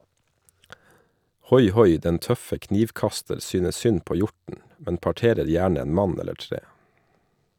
Hoi-hoi, den tøffe knivkaster synes synd på hjorten, men parterer gjerne en mann eller tre.